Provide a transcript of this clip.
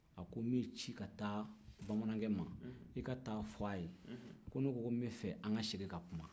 a ko n b'i ci ka taa bamanankɛ ma i ka taa f'a ye ko ne ko n b'a fɛ an ka sigi ka kuma